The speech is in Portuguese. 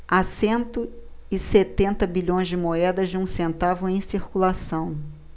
há cento e setenta bilhões de moedas de um centavo em circulação